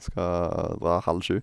Skal dra halv sju.